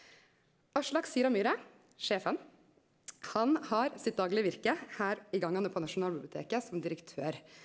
Aslak Sira Myhre sjefen han har sitt daglege virke her i gangane på Nasjonalbiblioteket som direktør.